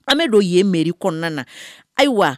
An bɛ don yen mairie kɔnɔna na ayiwa